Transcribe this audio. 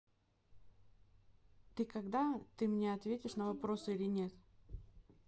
ты когда ты мне ответишь на вопросы или нет